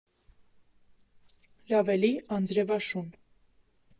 Լավ Էլի «Անձրևաշուն»